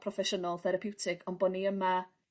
proffesiynol therapiwtig on' bo' ni yma